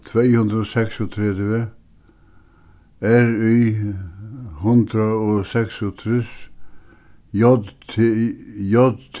tvey hundrað og seksogtretivu r y hundrað og seksogtrýss j t i j